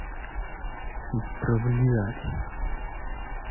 исправлять